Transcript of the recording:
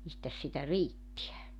mistäs sitä riittää